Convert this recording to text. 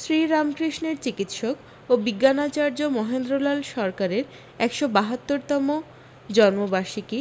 শ্রীরামকৃষ্ণের চিকিৎসক ও বিজ্ঞানাচার্য মহেন্দ্রলাল সরকারের একশো বাহাত্তর তম জন্মবার্ষিকী